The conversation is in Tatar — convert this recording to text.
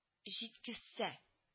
Җиткезсә